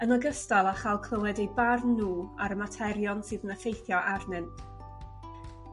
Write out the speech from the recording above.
yn ogystal â cha'l clywed eu barn nhw ar y materion sydd yn effeithio arnynynt.